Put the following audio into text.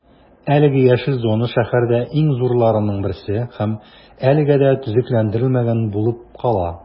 Әлеге яшел зона шәһәрдә иң зурларының берсе һәм әлегә дә төзекләндерелмәгән булып кала.